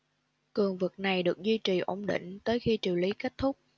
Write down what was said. cương vực này được duy trì ổn định tới khi triều lý kết thúc